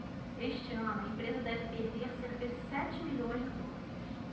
este ano a empresa deve perder cerca de sete milhões de dólares